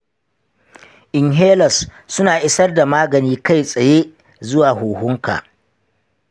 inhalers suna isar da magani kai tsaye zuwa huhunka.